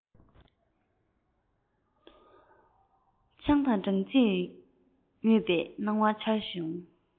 ཆང དང སྦྲང རྩིས མྱོས པའི སྣང བ འཆར བྱུང